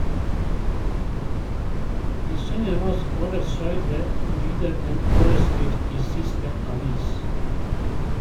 "Vi kjenner oss overkøyrde", lyder en overskrift i siste avis.